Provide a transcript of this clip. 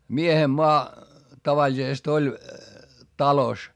miehen maa tavallisesti oli talossa